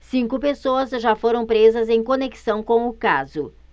cinco pessoas já foram presas em conexão com o caso